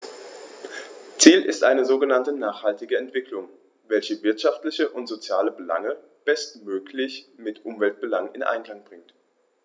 Ziel ist eine sogenannte nachhaltige Entwicklung, welche wirtschaftliche und soziale Belange bestmöglich mit Umweltbelangen in Einklang bringt.